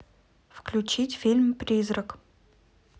включить фильм призрак